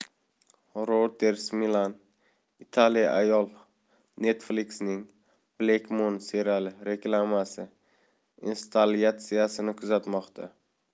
reutersmilan italiyaayol netflix'ning black moon seriali reklamasi installyatsiyasini kuzatmoqda